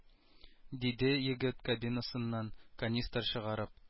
Диде егет кабинасыннан канистр чыгарып